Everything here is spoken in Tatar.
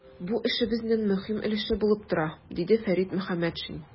Бу эшебезнең мөһим өлеше булып тора, - диде Фәрит Мөхәммәтшин.